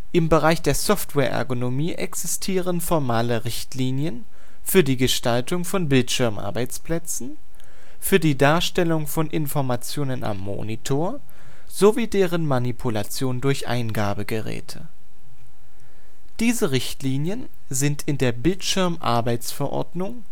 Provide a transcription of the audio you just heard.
Im Bereich der Software-Ergonomie existieren formale Richtlinien für die Gestaltung von Bildschirmarbeitsplätzen, für die Darstellung von Informationen am Monitor sowie deren Manipulation durch Eingabegeräte. Diese Richtlinien sind in der Bildschirmarbeitsverordnung